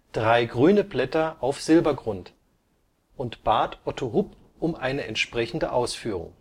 Drei grüne Blätter auf Silbergrund “(so die heraldische Bezeichnung) und bat Otto Hupp um eine entsprechende Ausführung